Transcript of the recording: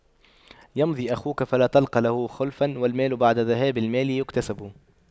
يمضي أخوك فلا تلقى له خلفا والمال بعد ذهاب المال يكتسب